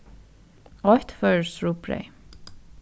eitt føroyskt rugbreyð